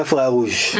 lu bët mën a tege